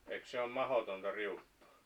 eikö se ole mahdotonta riuttaa